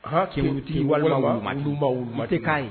Cɛwtigi walima manba ma tɛ k'a ye